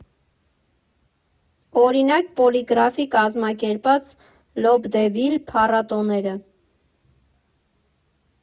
Օրինակ, Պոլիգրաֆի կազմակերպած Լուփդեվիլ փառատոները։